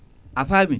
a faami